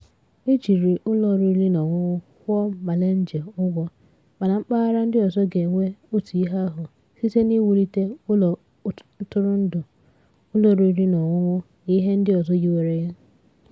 E jiri ụlọ oriri na ọṅụṅụ kwụọ Malanje "ụgwọ", mana mpaghara ndị ọzọ ga-enwe otu ihe ahụ, site n'iwulite ụlọ ntụrụndụ, ụlọ oriri na ọṅụṅụ na ihe ndị ọzọ yiwere ya.